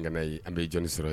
Ye an bɛ ye jɔnni sɔrɔ ye